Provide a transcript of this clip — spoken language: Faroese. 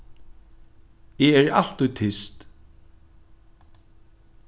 eg eri altíð tyst